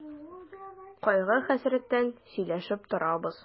Кайгы-хәсрәттән сөйләшеп торабыз.